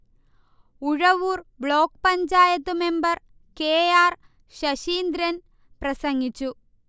Uzhavoor block panchayat member K. R. Saseendran പ്രസംഗിച്ചു